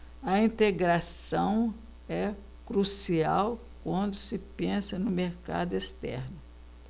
a integração é crucial quando se pensa no mercado externo